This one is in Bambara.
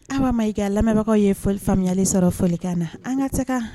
Awa Mayiga lamɛnbagaw ye foli, faamuyali sɔrɔ folikan na, an ka taga.